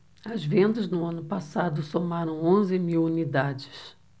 as vendas no ano passado somaram onze mil unidades